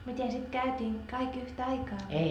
miten sitä käytiin kaikki yhtaikaa vai